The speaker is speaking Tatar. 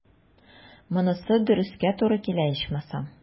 Монысы дөрескә туры килә, ичмасам.